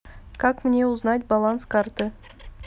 как мне узнать баланс карты